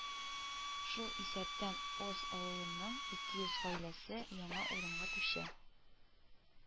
Шул исәптән Оз авылының ике йөз гаиләсе яңа урынга күчә